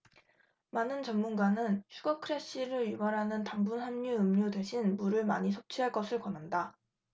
많은 전문가는 슈거 크래시를 유발하는 당분 함유 음료 대신 물을 많이 섭취할 것을 권한다